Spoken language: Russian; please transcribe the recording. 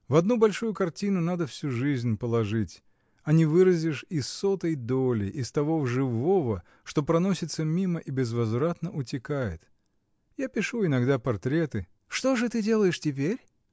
В одну большую картину надо всю жизнь положить, а не выразишь и сотой доли из того живого, что проносится мимо и безвозвратно утекает. Я пишу иногда портреты. — Что же ты делаешь теперь?